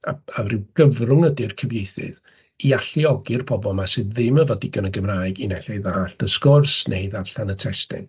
A ryw gyfrwng ydy'r cyfieithydd i alluogi'r pobl 'ma sydd ddim efo digon o Gymraeg i naill ai ddallt y sgwrs neu ddarllen y testun.